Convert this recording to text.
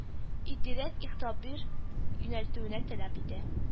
Итдирәк игътибар юнәлтүне таләп итә